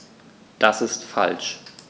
Das ist falsch.